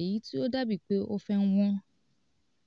èyí tí ó dàbí pé ó fẹ́ wọ́n.